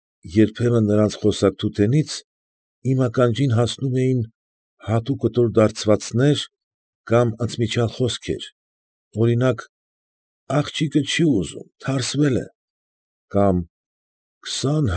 Երբեմն նրանց խոսակցութենից իմ ականջին հասնում էին հատուկտուր դարձվածներ կամ ընդմիջյալ խոսքեր, օրինակ, «աղջիկը չի ուզում, թարսվել է» կամ «քսան։